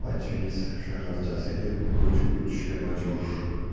aj vis shaharchasiga ko'chib o'tishga majbur